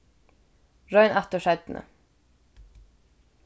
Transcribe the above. royn aftur seinni